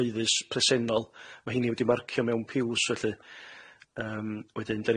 cyhoeddus presennol ma' rheini wedi' marcio mewn piws felly, yym wedyn